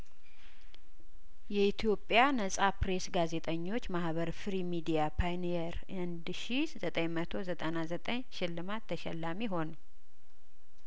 የኢትዮጵያ ነጻ ፐሬስ ጋዜጠኞች ማህበር ፍሪ ሚዲያፓ ኒየር አንድ ሺ ዘጠኝ መቶ ዘጠና ዘጠኝ ሽልማት ተሸላሚ ሆነ